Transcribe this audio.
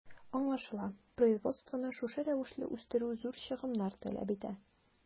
Аңлашыла, производствоны шушы рәвешле үстерү зур чыгымнар таләп итә.